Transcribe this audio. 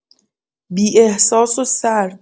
بی‌احساس و سرد